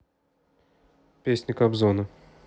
песни кобзона